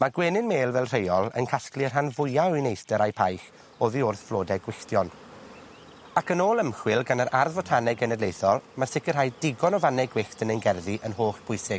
Ma' gwenyn mêl fel rheol yn casglu'r rhan fwya o'i neisder a'i paill oddi wrth flodau gwylltion, ac yn ôl ymchwil gan yr Ardd Fotaneg Genedlaethol, ma' sicrhau digon o fannau gwyllt yn ein gerddi yn hollbwysig.